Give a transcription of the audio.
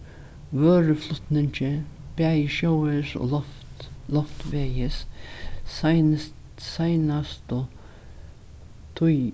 vøruflutningi bæði sjóvegis og loft loftvegis tíð